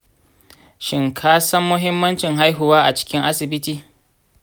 shin ka san muhimmancin haihuwa a cikin asibiti?